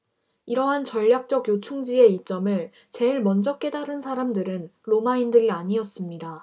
이러한 전략적 요충지의 이점을 제일 먼저 깨달은 사람들은 로마인들이 아니었습니다